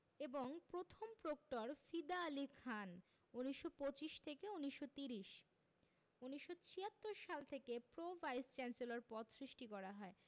এবং প্রথম প্রক্টর ফিদা আলী খান ১৯২৫ থেকে ১৯৩০ ১৯৭৬ সাল থেকে প্রো ভাইস চ্যান্সেলর পদ সৃষ্টি করা হয়